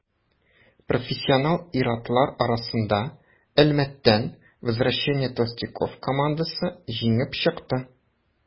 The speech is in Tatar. Профессионал ир-атлар арасында Әлмәттән «Возвращение толстяков» командасы җиңеп чыкты.